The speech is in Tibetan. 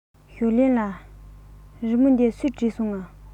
ཞོའོ ལིའི ལགས རི མོ འདི སུས བྲིས སོང ངས